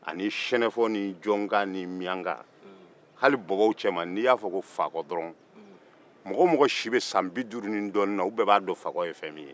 ani senufo ni jɔnka ni minyanka hali bɔbɔw cɛma n'i ya fɔ ko fakɔ dɔrɔn mɔgɔ o mɔgɔ di bɛ san bi duuru ni dɔɔnin na olu b'a dɔn fakɔ ye min ye